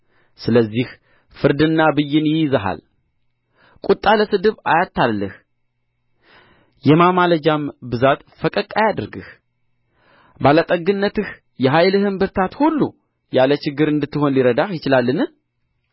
ስለዚህ ፍርድና ብይን ይይዝሃል ቍጣ ለስድብ አያታልልህ የማማለጃም ብዛት ፈቀቅ አያድርግህ ባለጠግነትህ የኃይልህም ብርታት ሁሉ ያለ ችግር እንድትሆን ሊረዳህ ይችላልን